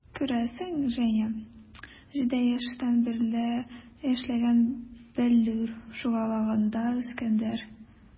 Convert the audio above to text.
Күрәсең, Женя 7 яшьтән бирле эшләгән "Бәллүр" шугалагында үскәндер.